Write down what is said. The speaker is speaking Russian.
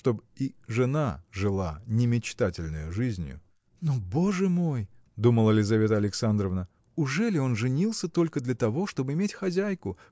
чтоб и жена жила не мечтательною жизнию. Но, боже мой! – думала Лизавета Александровна – ужели он женился только для того чтоб иметь хозяйку